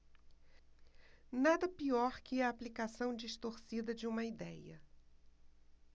nada pior que a aplicação distorcida de uma idéia